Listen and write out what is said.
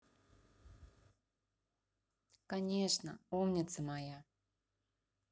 конечно умница моя